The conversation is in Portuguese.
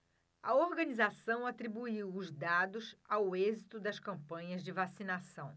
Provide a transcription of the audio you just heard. a organização atribuiu os dados ao êxito das campanhas de vacinação